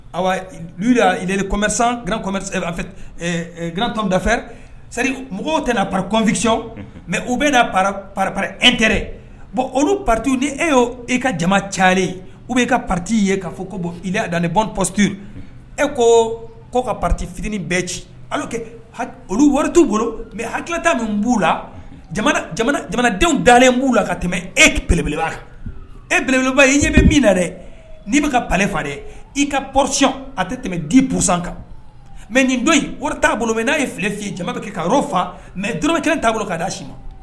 Ayiwalim gtɔndafɛri mɔgɔw tɛna pakɔnffisiw mɛ u bɛa pap et bɔn olu pati ni e y' e ka jama care u b' e ka pati ye kaa fɔ ko bon dan ni bɔn pti e ko ko ka pati fitiniinin bɛɛ ci olu waritu bolo mɛ ha tilalata min b'u la jamanadenw dalenlen b'u la ka tɛmɛ e plɛbelebaga e bɛlɛbeleba ye ɲɛ bɛ min na dɛ n'i bɛ ka pfa dɛ i ka psiyɔn a tɛ tɛmɛ dipsan kan mɛ nin don wari t' bolo mɛ n'a ye fi fiye jama bɛ kɛ ka faa mɛ dunanba kelen t'a bolo ka' d da si ma